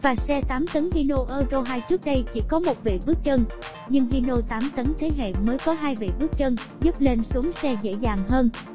và xe tấn hino euro trước đây chỉ có bệ bước chân nhưng hino tấn thế hệ mới có bệ bước chân giúp lên xuống xe dễ dàng hơn